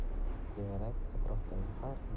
tevarak atrofdagi har bir